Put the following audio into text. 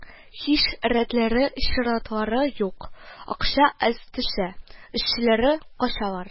Һич рәтләре-чиратлары юк, акча әз төшә, эшчеләре качалар